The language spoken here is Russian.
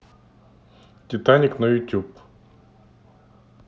титаник на ютуб